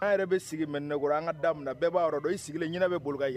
An yɛrɛ bɛ mɛn an ka daminɛ bɛɛ b'a yɔrɔ dɔn i sigilen bɛ